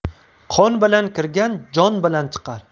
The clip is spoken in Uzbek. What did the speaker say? qon bilan kirgan jon bilan chiqar